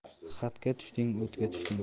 xatga tushding o'tga tushding